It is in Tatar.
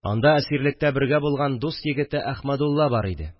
Анда әсирлектә бергә булган дус егете Әхмәдулла бар иде